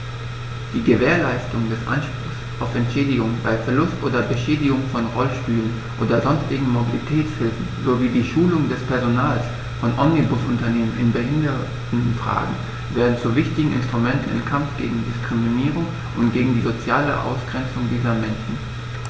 Die Gewährleistung des Anspruchs auf Entschädigung bei Verlust oder Beschädigung von Rollstühlen oder sonstigen Mobilitätshilfen sowie die Schulung des Personals von Omnibusunternehmen in Behindertenfragen werden zu wichtigen Instrumenten im Kampf gegen Diskriminierung und gegen die soziale Ausgrenzung dieser Menschen.